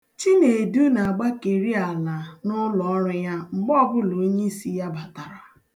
Chiedu na-agbakeri ala n'ọrụ ya mgbe ọbụla onyiisi ya batara.